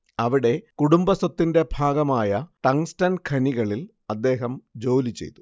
അവിടെ കുടുംബസ്വത്തിന്റെ ഭാഗമായ ടങ്ങ്സ്ടൻ ഖനികളിൽ അദ്ദേഹം ജോലിചെയ്തു